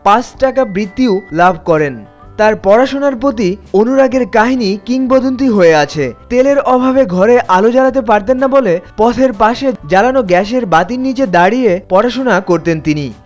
পাঁচ টাকা বৃত্তি ও লাভ করেন তার পড়াশোনার প্রতি অনুরাগ এর কাহিনী কিংবদন্তি হয়ে আছে তেলের অভাবে ঘরে আলো জ্বালতে পারতেন না বলে পথের পাশে জালানো গ্যাসের বাতির নিচে দাঁড়িয়ে পড়াশোনা করতেন তিনি